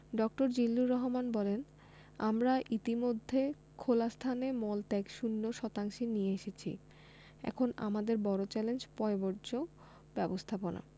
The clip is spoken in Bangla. ড. বলেন জিল্লুর রহমান আমরা ইতিমধ্যে খোলা স্থানে মলত্যাগ শূন্য শতাংশে নিয়ে এসেছি এখন আমাদের বড় চ্যালেঞ্জ পয়ঃবর্জ্য ব্যবস্থাপনা